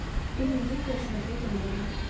фильм дикая смотреть онлайн